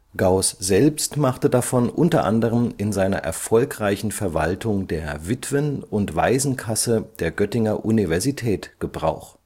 Gauß selbst machte davon unter anderem in seiner erfolgreichen Verwaltung der Witwen - und Waisenkasse der Göttinger Universität Gebrauch